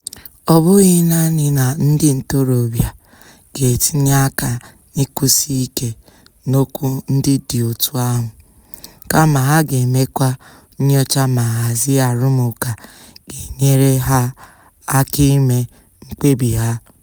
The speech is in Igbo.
Ọ bụghị naanị na ndị ntorobịa ga-etinye aka n'ịkwụsi ike n'okwu ndị dị otú ahụ, kama ha ga-emekwa nnyocha ma hazie arụmụka ga-enyere ha aka ime mkpebi ha.